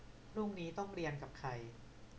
พรุ่งนี้ต้องเรียนกับใคร